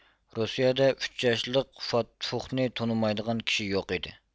رۇسىيەدە ئۈچ ياشلىق فاتغوقنى تونۇمايدىغان كىشى يوق ئىدى